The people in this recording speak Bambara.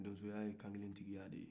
donsoya ye kankelentigiya de ye